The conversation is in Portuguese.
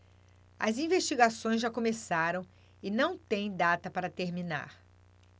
as investigações já começaram e não têm data para terminar